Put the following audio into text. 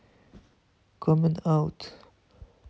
коммент аут